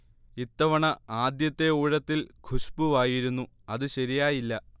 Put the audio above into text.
ഇത്തവണ ആദ്യത്തെ ഊഴത്തിൽ ഖുശ്ബുവായിരുന്നു. അത് ശരിയായില്ല